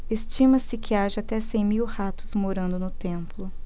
estima-se que haja até cem mil ratos morando no templo